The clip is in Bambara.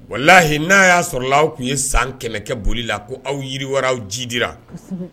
Wa lahi n'a y'a sɔrɔ aw tun ye san kɛmɛkɛ boli la ko aw yiriwa aw jidira